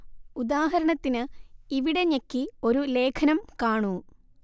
ഉദാഹരണത്തിന് ഇവിടെ ഞെക്കി ഒരു ലേഖനം കാണൂ